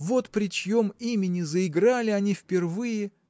вот при чьем имени заиграли они впервые.